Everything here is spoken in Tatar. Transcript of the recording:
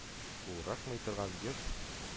Курыкмый торган йорт